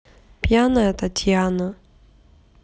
пьяная татьяна